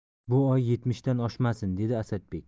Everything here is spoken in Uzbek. bu oy yetmishdan oshmasin dedi asadbek